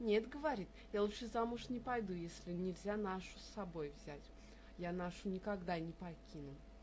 "Нет, говорит, я лучше замуж не пойду, если нельзя Нашу с собой взять я Нашу никогда не покину.